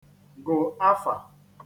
gụ̀ afà